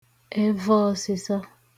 ẹvọọ̀sịsa